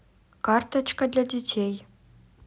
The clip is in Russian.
карточка для детей